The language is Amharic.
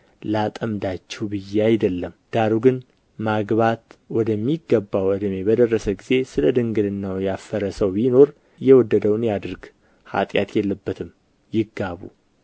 ላጠምዳችሁ ብዬ አይደለም ዳሩ ግን ማግባት ወደሚገባው ዕድሜ በደረሰ ጊዜ ስለ ድንግልናው ያፈረ ሰው ቢኖር የወደደውን ያድርግ ኃጢአት የለበትም ይጋቡ